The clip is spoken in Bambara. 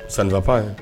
Sansafan ye